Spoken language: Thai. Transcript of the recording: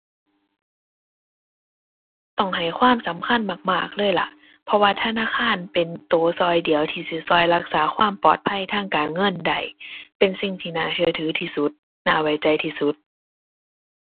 ต้องให้ความสำคัญมากมากเลยล่ะ เพราะว่าธนาคารเป็นตัวตัวเดียวที่สิตัวรักษาความปลอดภัยทางการเงินได้ เป็นสิ่งที่น่าเชื่อถือที่สุด น่าไว้ใจที่สุด